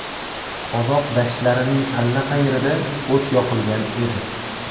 qozoq dashtlarining allaqayerida o't yoqilgan edi